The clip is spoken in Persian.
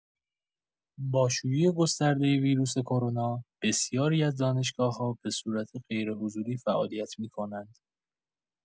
با شیوع گستردۀ ویروس کرونا، بسیاری از دانشگاه‌‌ها به صورت غیرحضوری فعالیت می‌کنند.